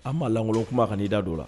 An b'alangolo kuma ka'i da don la